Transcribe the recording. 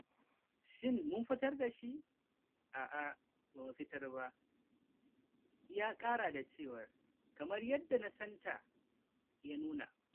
Shin mun fitar dashi... A'a, ba mu fitar ba, "ya kara da cewa, kamar yadda sanatan ya nuna.